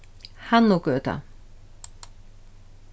hannugøta